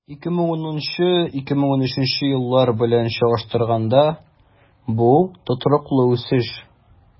2010-2013 еллар белән чагыштырганда, бу тотрыклы үсеш.